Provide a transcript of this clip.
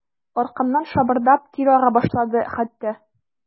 Аркамнан шабырдап тир ага башлады хәтта.